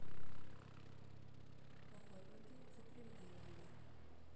охотники за привидениями